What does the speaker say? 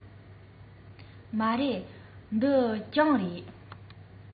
མ རེད འདི གྱང རེད